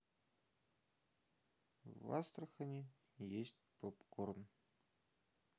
в астрахани есть попкорн